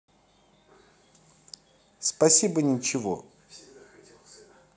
спасибо ничего